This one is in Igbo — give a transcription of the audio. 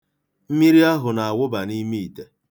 Mmiri ahụ na-awụba n'ime ite.